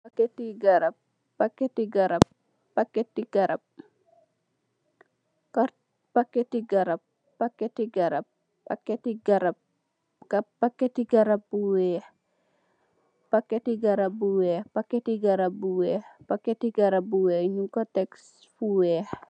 Packetou garrap bou wech